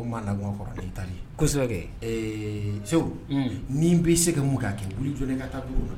Ko maa lamɔ kɔrɔ taa kosɛbɛ segu ni bɛ se ka mun ka kɛ wuli jɔn ka